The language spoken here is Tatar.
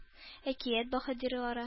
Әкият баһадирлары